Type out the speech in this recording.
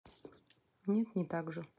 нет не так же